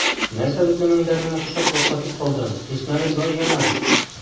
Нәрсә бетле мендәреңне кочаклап катып калдың, Исмәгыйль бай яна!